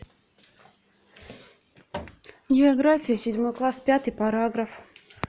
география седьмой класс пятый параграф